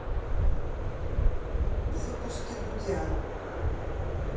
выпуски дудя